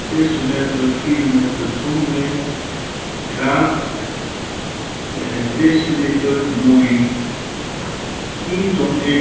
desimetur kilometur tummi grad desilitur míl hitin er